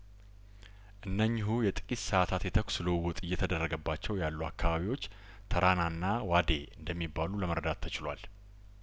እነኚሁ የጥቂት ሰአታት የተኩስ ልውውጥ እየተደረገባቸው ያሉ አካባቢዎች ተራናና ዋዴ እንደሚባሉ ለመረዳት ተችሏል